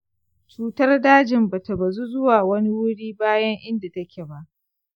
cutar dajin bata bazu zuwa wani wuri bayan inda take ba.